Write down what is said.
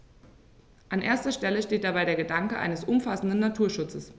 An erster Stelle steht dabei der Gedanke eines umfassenden Naturschutzes.